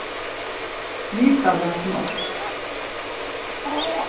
lisa læt sum einki